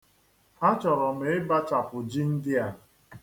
Achọrọ m ịbachapu ji ndị a.